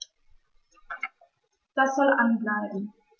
Das soll an bleiben.